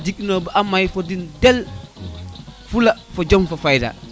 ka jeg uno yo bata may fo din del fula fo jom fo fayda